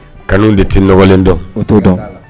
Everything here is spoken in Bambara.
Kanu de tɛ nɔgɔlen dɔn' dɔn